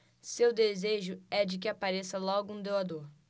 seu desejo é de que apareça logo um doador